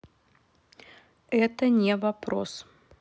это не вопрос